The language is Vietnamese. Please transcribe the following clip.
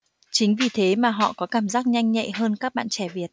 chính vì thế mà họ có cảm giác nhanh nhạy hơn các bạn trẻ việt